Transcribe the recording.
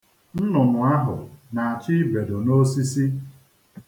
Nnụnụ ahụ na-achọ ibedo n'osisi.